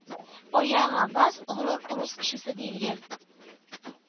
Аягыңа бас, горур урыс кешесе, диелгән